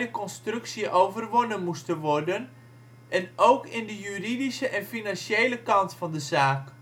constructie overwonnen moesten worden, en ook in de juridische en financiële kant van de zaak